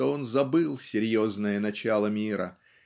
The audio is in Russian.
что он забыл серьезное начало мира